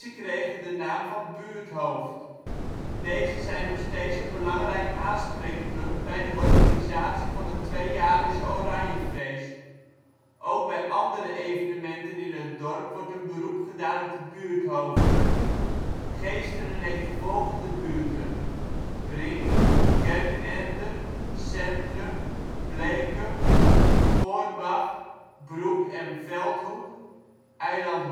kregen de naam van buurthoofd. Deze zijn nog steeds een belangrijk aanspreekpunt bij de organisatie van het tweejaarlijkse Oranjefeest. Ook bij andere evenementen in het dorp wordt een beroep gedaan op de buurthoofden. Geesteren heeft de volgende buurten: Brink, Kerkenende, Centrum, Bleeke, Goarbach, Broek en Veldhoek, Eiland